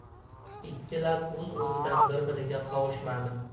ikki lab o'z o'zidan bir biriga qovushmadi